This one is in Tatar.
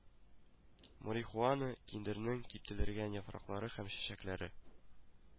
Марихуана - киндернең киптерелгән яфраклары һәм чәчәкләре